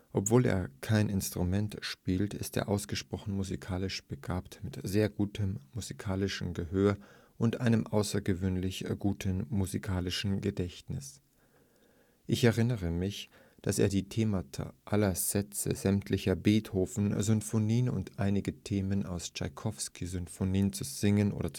Obwohl er kein Instrument spielt, ist er ausgesprochen musikalisch begabt, mit sehr gutem musikalischen Gehör und einem außergewöhnlich guten musikalischen Gedächtnis. Ich erinnere mich, dass er die Themata aller Sätze sämtlicher Beethoven-Symphonien und einige Themen aus Tschaikowski-Symphonien zu singen oder